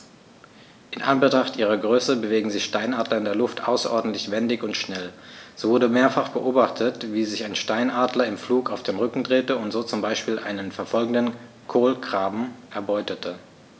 In Anbetracht ihrer Größe bewegen sich Steinadler in der Luft außerordentlich wendig und schnell, so wurde mehrfach beobachtet, wie sich ein Steinadler im Flug auf den Rücken drehte und so zum Beispiel einen verfolgenden Kolkraben erbeutete.